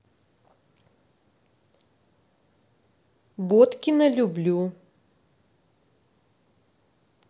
боткина люблю